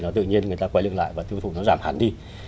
là tự nhiên người ta quay lưng lại và tiêu thụ nó giảm hẳn đi